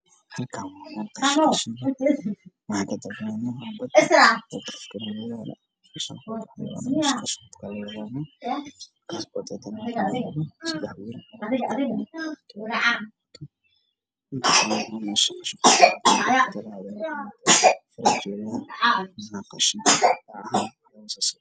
Waa beenta bada waxaa yaalo qashin